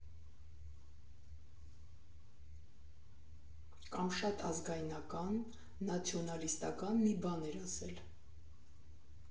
Կամ շատ ազգայնական՝ նացիոնալիստական մի բան էր ասել։